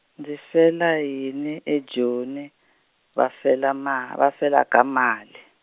ndzi fela yini eJoni, va fela ma-, va felaka mali?